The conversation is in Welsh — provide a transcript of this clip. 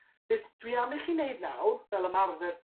Beth dwi am i chi neud nawr, fel ymarfer